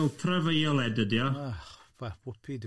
Ultra Violet ydy o. O, well whoopie-do.